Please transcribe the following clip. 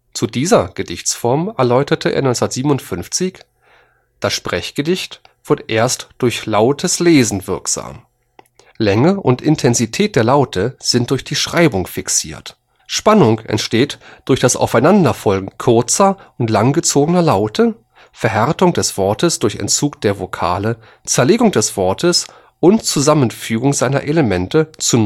Zu dieser Gedichtsform erläuterte er 1957: „ Das Sprechgedicht wird erst durch lautes Lesen wirksam. Länge und Intensität der Laute sind durch die Schreibung fixiert. Spannung entsteht durch das Aufeinanderfolgen kurzer und langgezogener Laute […], Verhärtung des Wortes durch Entzug der Vokale […], Zerlegung des Wortes und Zusammenfügung seiner Elemente zu